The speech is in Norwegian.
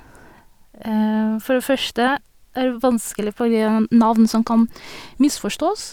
For det første er det vanskelig på grunn av navn som kan misforstås.